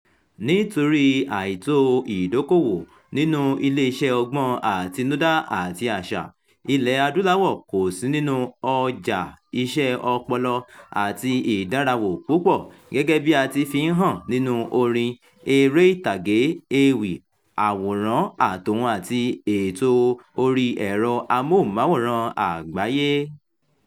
Nítorí àìtó ìdókoòwò nínú iléeṣẹ́ ọgbọ́n àtinudá àti àṣà, Ilẹ̀-Adúláwọ̀ kò sí nínú ọjà iṣẹ́ ọpọlọ, àti ìdáraáwò púpọ̀ gẹ́gẹ́ bí a ti fi hàn nínú orin, eré ìtàgé, ewì, àwòrán-àtohùn àti ètò orí ẹ̀rọ amóhùnmáwòrán àgbáyé.